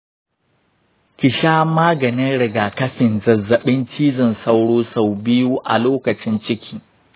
ki sha maganin rigakafin zazzaɓin cizon sauro sau biyu a lokacin ciki.